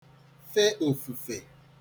fe òfùfè